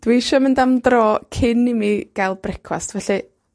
Dwi isio mynd am dro cyn i mi gael brecwast, felly,